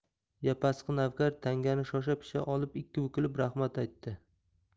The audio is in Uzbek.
yapasqi navkar tangani shosha pisha olib ikki bukilib rahmat aytdi